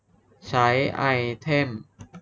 ใช้ไอเทม